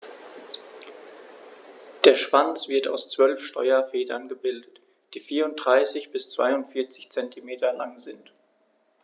Der Schwanz wird aus 12 Steuerfedern gebildet, die 34 bis 42 cm lang sind.